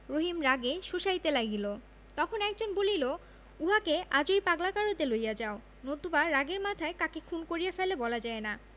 রহিম রাগে শোষাইতে লাগিল তখন একজন বলিল উহাকে আজই পাগলা গারদে লইয়া যাও নতুবা রাগের মাথায় কাকে খুন করিয়া ফেলে বলা যায় না